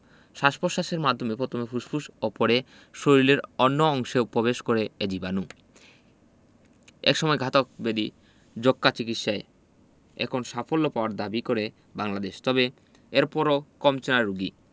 শ্বাস প্রশ্বাসের মাধ্যমে পথমে ফুসফুসে ও পরে শরীলের অন্য অংশেও পবেশ করে এ জীবাণু একসময়ের ঘাতক ব্যাধি যক্ষ্মার চিকিৎসায় এখন সাফল্য পাওয়ার দাবি করে বাংলাদেশ তবে এরপরও কমছে না রোগী